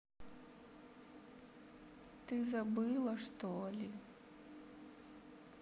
ты забыла что ли